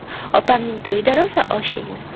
opamning to'yida rosa osh yeymiz